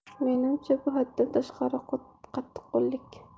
meningcha bu haddan tashqari qattiqqo'llik